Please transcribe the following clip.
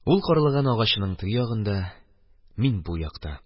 Ул – карлыган агачының теге ягында, мин бу якта